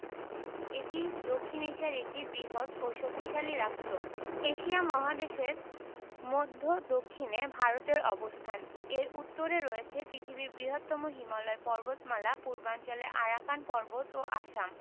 এটি দক্ষিন এশিয়ার একটি বৃহৎও শক্তিশালী রাষ্ট্র এশিয়া মহাদেশের মদ্ধ্য দক্ষিনে ভারতের অবস্থানএর উত্তরে রয়েছে পৃথিবীর বৃহত্তম হিমালয় পর্বতমালা পূর্বাঞ্চলে আরাকান পর্বত ও আসাম